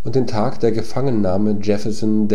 den Tag der Gefangennahme Jefferson